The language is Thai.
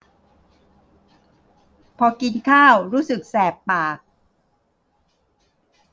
พอกินข้าวรู้สึกแสบปาก